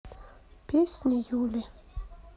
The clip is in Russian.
песни юли